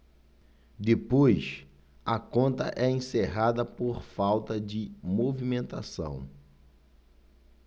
depois a conta é encerrada por falta de movimentação